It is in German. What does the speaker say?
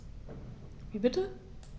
Wie bitte?